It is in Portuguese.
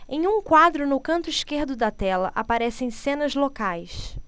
em um quadro no canto esquerdo da tela aparecem cenas locais